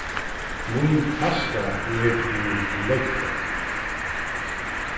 mín taska er úr leðri